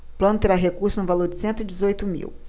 o plano terá recursos no valor de cento e dezoito mil